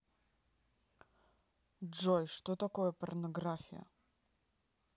джой что такое порнография